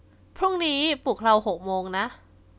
พรุ่งนี้ปลุกเราหกโมงนะ